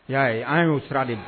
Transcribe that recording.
'a an y'o sira de